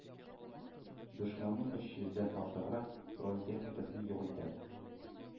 Дошманның өч йөздән артыграк бронетехникасын юк итә.